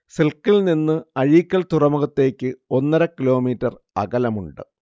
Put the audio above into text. സിൽക്കിൽനിന്ന് അഴീക്കൽ തുറമുഖത്തേക്ക് ഒന്നര കിലോമീറ്റർ അകലമുണ്ട്